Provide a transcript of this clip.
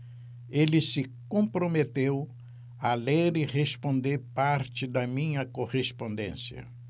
ele se comprometeu a ler e responder parte da minha correspondência